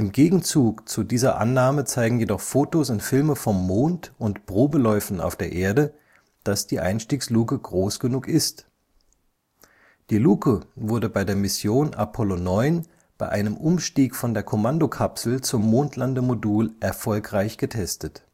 Gegenzug zu dieser Annahme zeigen jedoch Fotos und Filme vom Mond und Probeläufen auf der Erde, dass die Einstiegsluke groß genug ist. Die Luke wurde bei der Mission Apollo 9 (Erdumlaufbahn) bei einem Umstieg von der Kommandokapsel zum Mondlandemodul erfolgreich getestet